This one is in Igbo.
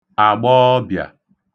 àgbọọbị̀à